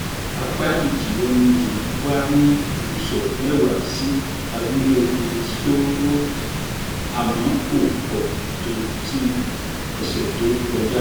Àpá ìjì omi yìí wà ní ibùsọ̀ 10 sí abúlé Hillsborough, àmọ́ kò pọ̀ tó ti ọ̀sẹ̀ tó kọjá.